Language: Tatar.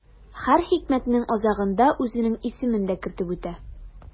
Һәр хикмәтнең азагында үзенең исемен дә кертеп үтә.